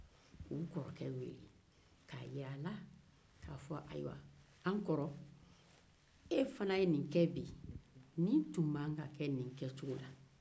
k'u kɔrɔkɛ wele k'a jira a la '' an kɔrɔ e fana ye nin ke bi nin tun man ka kɛ nin kɛcogo la''